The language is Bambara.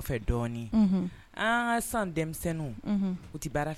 Fɛ dɔɔni, unhun, an ka sisan denmisɛnnu u t’ɛ baara fɛ